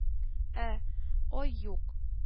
Ә ай юк